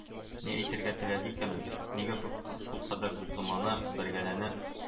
Ни әйтергә теләде икән ул, нигә шулкадәр дулкынлана, бәргәләнә